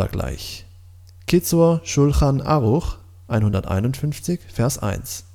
gleich. (Kizzur Schulchan Aruch 151, 1